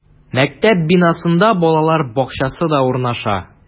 Мәктәп бинасында балалар бакчасы да урнаша.